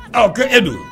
Ɔ kɛ e don